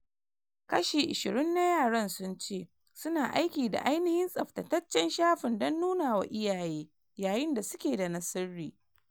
Kashi ishirin na yaran sun ce su na aiki da "ainihin" tsaftataccen shafin don nunawa iyaye, yayin da suke da na sirri.